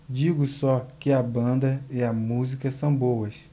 digo só que a banda e a música são boas